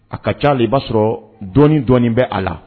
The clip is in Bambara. A ka ca de i b'a sɔrɔ dɔɔninɔni dɔɔni bɛ a la